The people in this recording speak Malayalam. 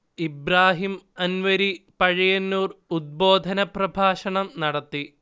ഇബ്രാഹിം അൻവരി പഴയന്നൂർ ഉദ്ബോധന പ്രഭാഷണം നടത്തി